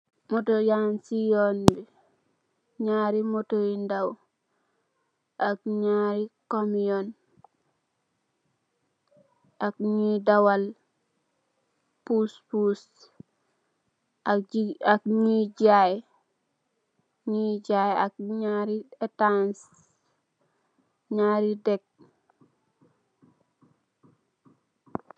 Moto yan si yoon bi naari moto yu ndaw ak naari kamiyun ak nyu dawal puss puss ak nyui jaay ak naari etas naari teck.